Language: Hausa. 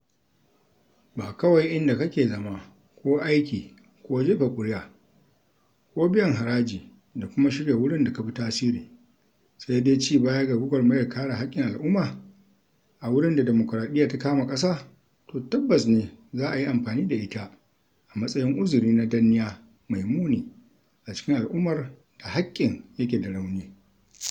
Ba kawai inda kake zama ko aiki ko jefa ƙuria ko biyan haraji da kuma shirya wurin da ka fi tasiri, sai dai cibaya ga gwagwarmayar kare haƙƙin al'umma a wurin da dimukraɗiyya ta kama ƙasa to tabbas ne za a yi amfani da ita a matsayin uzuri na danniya mai muni a cikin al'ummar da haƙƙin yake da rauni.